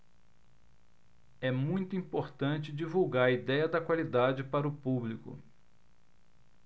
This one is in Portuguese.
é muito importante divulgar a idéia da qualidade para o público